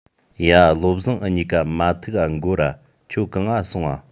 ཡ བློ བཟང འུ གཉིས ཀ མ ཐུག ག འགོར ར ཁྱོད གང ང སོང ང